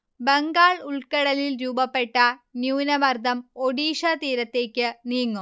ബംഗാൾ ഉൾക്കടലിൽ രൂപപ്പെട്ട ന്യൂനമർദം ഒഡിഷാതീരത്തേക്ക് നീങ്ങും